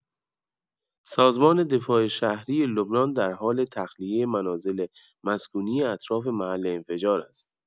سازمان دفاع شهری لبنان در حال تخلیه منازل مسکونی اطراف محل انفجار است.